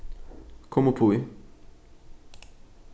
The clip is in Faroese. kom uppí